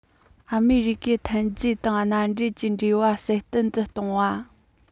ཨ མེ རི ཁའི འཐབ ཇུས དང མནའ འབྲེལ གྱི འབྲེལ བ སྲ བརྟན དུ གཏོང བ